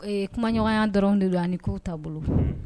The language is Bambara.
Kumaɲɔgɔnya dɔrɔn de don ani k'u ta bolo